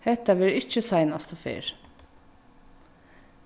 hetta verður ikki seinastu ferð